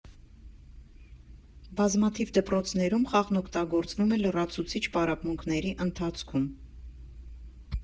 Բազմաթիվ դրոցներում խաղն օգտագործվում է լրացուցիչ պարապմունքների ընթացքում։